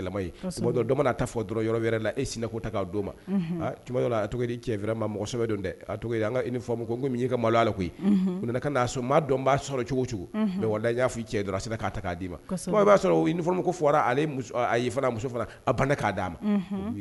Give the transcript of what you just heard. Cɛ ma mɔgɔsɛbɛbɛ maloya ala koyi u nana'a sɔrɔ maa dɔn'a sɔrɔ cogo cogo y'a fɔ i cɛ dɔrɔn a' ma b'a sɔrɔ ko fɔra muso fana'a di'a ma